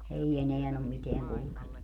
ei enää ole mitään kulkenut